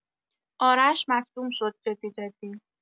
آرش مصدوم شد جدی جدی